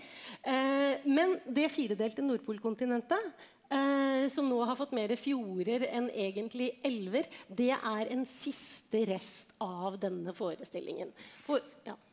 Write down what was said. men det firedelte Nordpolkontinentet som nå har fått mere fjorder enn egentlig elver det er en siste rest av denne forestillingen ja.